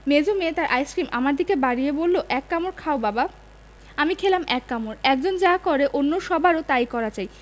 মেজো মেয়ে তার আইসক্রিম আমার দিকে বাড়িয়ে বলল এক কামড় খাও বাবা আমি খেলাম এক কামড় একজন যা করে অন্য সবারও তাই করা চাই